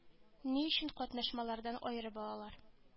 Ни өчен катнашмалардан аерып алалар